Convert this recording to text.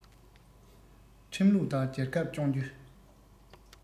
ཁྲིམས ལུགས ལྟར རྒྱལ ཁབ སྐྱོང རྒྱུ